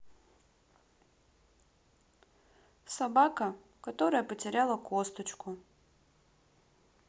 собака которая потеряла косточку